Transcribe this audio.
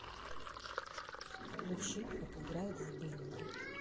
включи как играют в бенди